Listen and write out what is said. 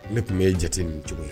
Ne tun ye jate ni cogo ye